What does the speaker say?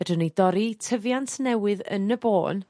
fedrwn ni dorri tyfiant newydd yn y bôn